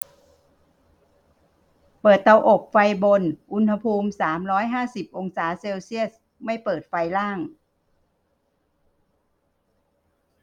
เปิดเตาอบไฟบนอุณหภูมิสามร้อยห้าสิบองศาเซลเซียสไม่เปิดไฟล่าง